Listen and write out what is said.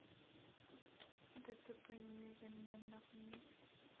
дтп не блядь заебали нахуй блядь